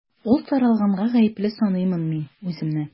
Ул таралганга гаепле саныймын мин үземне.